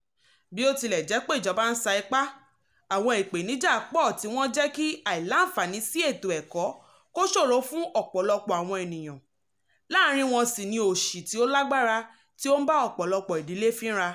Bí ó tilẹ̀ jẹ́ pé ìjọba ń sa ipá, àwọn ìpèníjà pọ̀ tí wọ́n ń jẹ́ kí ìláǹfààní sí ètò ẹ̀kọ́ kó ṣòro fún ọ̀pọ̀lọpọ̀ àwọn ènìyàn, láàárín wọn ni òsì tí ó lágbára tí ó ń bá ọ̀pọ̀lọpọ̀ ìdílé fínra.